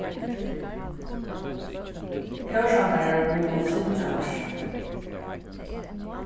kórsangarar mugu syngja hart